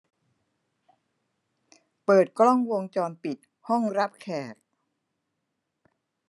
เปิดกล้องวงจรปิดห้องรับแขก